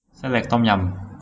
เส้นเล็กต้มยำ